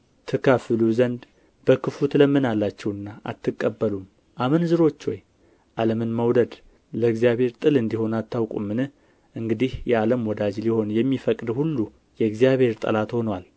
ትከፍሉ ዘንድ በክፉ ትለምናላችሁና አትቀበሉም አመንዝሮች ሆይ ዓለምን መውደድ ለእግዚአብሔር ጥል እንዲሆን አታውቁምን እንግዲህ የዓለም ወዳጅ ሊሆን የሚፈቅድ ሁሉ የእግዚአብሔር ጠላት ሆኖአል